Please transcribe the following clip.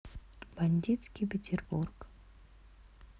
бандитский петербург